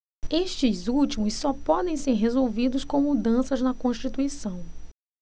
estes últimos só podem ser resolvidos com mudanças na constituição